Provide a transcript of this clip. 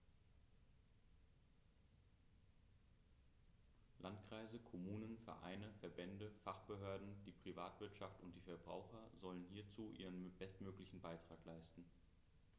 Landkreise, Kommunen, Vereine, Verbände, Fachbehörden, die Privatwirtschaft und die Verbraucher sollen hierzu ihren bestmöglichen Beitrag leisten.